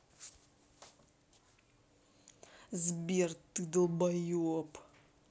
сбер ты долбоеб